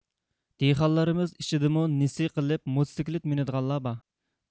دېھقانلىرىمىز ئىچىدىمۇ نېسى قىلىپ موتسىكلىت مىنىدىغانلار بار